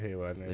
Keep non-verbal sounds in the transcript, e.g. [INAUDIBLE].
[HESITATION] [HESITATION]